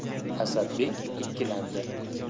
asadbek ikkilandi